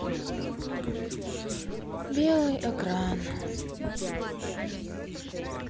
белый экран